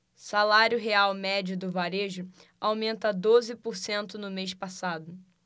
salário real médio do varejo aumenta doze por cento no mês passado